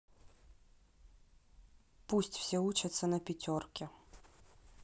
пусть все учатся на пятерки